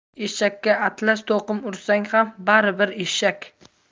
eshakka atlas to'qim ursang ham bari bir eshak